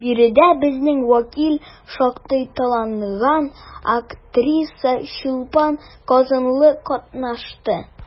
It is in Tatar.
Биредә безнең вәкил, шактый танылган актриса Чулпан Казанлы катнашты.